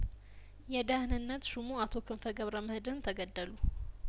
የደህንነት ሹሙ አቶ ክንፈ ገብረመድህን ተገደሉ